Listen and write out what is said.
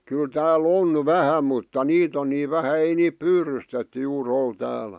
kyllä täällä on vähän mutta niitä on niin vähän ei niitä pyydystetty juuri ole täällä